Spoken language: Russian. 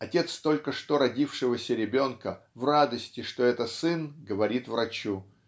Отец только что родившегося ребенка в радости, что это сын, говорит врачу